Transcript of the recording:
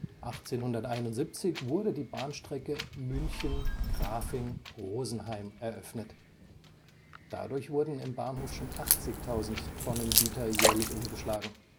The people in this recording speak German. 1871 wurde die Bahnstrecke München – Grafing – Rosenheim eröffnet, dadurch wurden im Bahnhof schon 80.000 Tonnen Güter jährlich umgeschlagen